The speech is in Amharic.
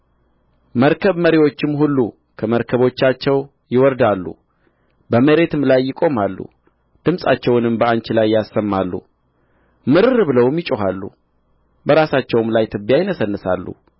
መርከብ መሪዎችም ሁሉ ከመርከቦቻቸው ይወርዳሉ በመሬትም ላይ ይቆማሉ ድምፃቸውንም በአንቺ ላይ ያሰማሉ ምርር ብለውም ይጮኻሉ በራሳቸውም ላይ ትቢያ ይነሰንሳሉ